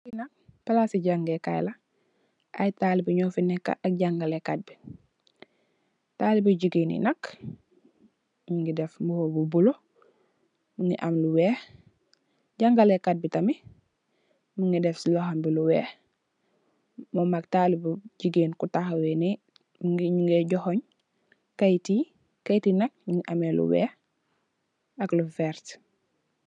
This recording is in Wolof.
Fi nak palasi jàngeekaay la, ay talibe nyufi neka ak jàngalekat bi. Talibe yu jigeen yi nak nyungi def mboba bu bulo, mungi am lu weex. Jàngalekat bi nak mungi def ci loxom bi lu weex, moom ak talibe bu jigeen ku tahaw nii nyunge johün keyit yi, keyit yi nak nyungi am lu weex ak lu verte.